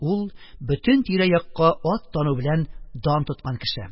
Ул бөтен тирә-якка ат тану белән дан тоткан кеше.